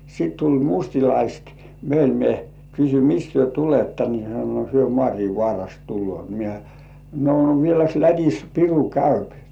sitten tuli mustalaiset meille minä kysyin mistä te tulette niin he sanoi he Maarinvaarasta tulevat minä no vieläkö Lätissä piru käy